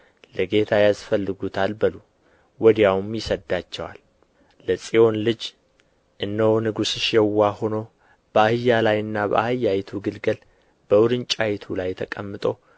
ለጌታ ያስፈልጉታል በሉ ወዲያውም ይሰዳቸዋል ለጽዮን ልጅ እነሆ ንጉሥሽ የዋህ ሆኖ በአህያ ላይና በአህያይቱ ግልገል በውርንጫይቱ ላይ ተቀምጦ